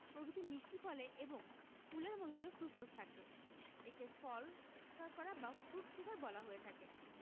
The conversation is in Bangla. প্রভৃতি মিষ্টি ফলে এবং ফুলের মধুতে ফ্রুকটোজ থাকে একে ফল শর্করা বা ফ্রুট শুগার বলা হয়ে থাকে